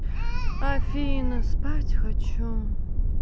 афина спать хочу